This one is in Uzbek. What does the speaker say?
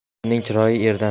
xotinning chiroyi erdan